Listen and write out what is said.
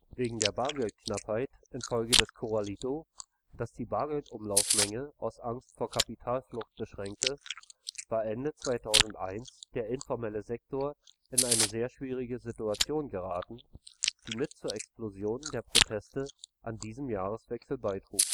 Wegen der Bargeldknappheit infolge des Corralito, das die Bargeld-Umlaufmenge aus Angst vor Kapitalflucht beschränkte, war Ende 2001 der informelle Sektor in eine sehr schwierige Situation geraten, die mit zur Explosion der Proteste an diesem Jahreswechsel beitrug